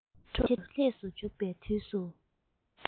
ཕྱི དྲོར ལྷས སུ འཇུག པའི དུས སུ